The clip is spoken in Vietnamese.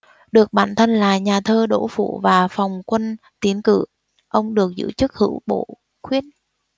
được bạn thân là nhà thơ đỗ phủ và phòng quân tiến cử ông được giữ chức hữu bổ khuyết